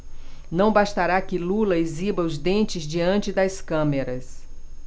não bastará que lula exiba os dentes diante das câmeras